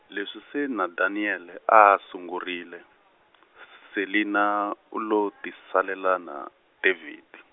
leswi se na Daniel a a sungurile, s- Selinah u lo , tisalela na, David.